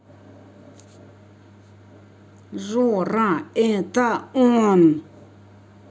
жора это он